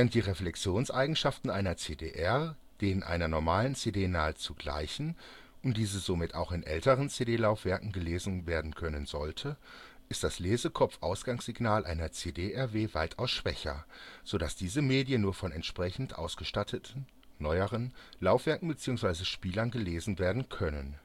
die Reflexionseigenschaften einer CD-R denen einer normalen CD nahezu gleichen und diese somit auch in älteren CD-Laufwerken gelesen werden können sollte, ist das Lesekopf-Ausgangssignal einer CD-RW weitaus schwächer, so dass diese Medien nur von entsprechend ausgestatteten (neueren) Laufwerken bzw. Spielern gelesen werden können